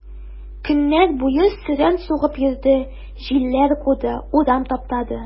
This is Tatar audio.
Көннәр буе сөрән сугып йөрде, җилләр куды, урам таптады.